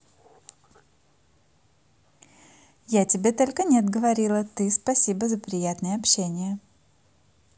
я тебя только нет говорила ты спасибо за приятное общение